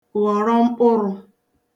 ghọrọ mkpụrụ